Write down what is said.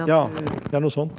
ja ja noe sånt.